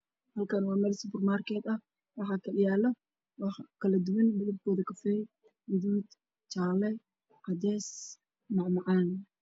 Halkaan waa meel super market ah waxa kala yaalo wax kala duwan midabkooda kafey, gaduud, jaalle, cadeys mac-macaan.